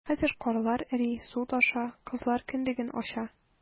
Хәзер карлар эри, су таша - кызлар кендеген ача...